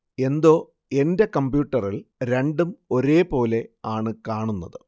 എന്തോ എന്റെ കമ്പ്യൂട്ടറിൽ രണ്ടും ഒരേ പോലെ ആണ് കാണുന്നത്